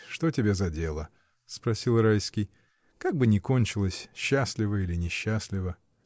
— Что тебе за дело, — спросил Райский, — как бы ни кончилось, счастливо или несчастливо.